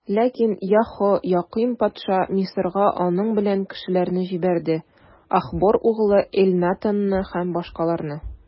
Ләкин Яһоякыйм патша Мисырга аның белән кешеләрне җибәрде: Ахбор углы Элнатанны һәм башкаларны.